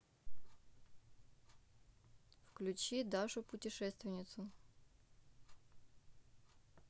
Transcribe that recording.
включи дашу путешественницу